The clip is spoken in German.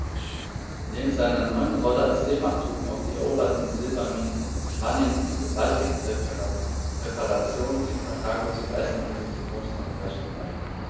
Neben seiner neuen Rolle als Seemacht trugen auch die eroberten Silberminen in Hispanien und die gewaltigen Reparationen, die Karthago zu leisten hatte, zu Roms neuem Reichtum bei.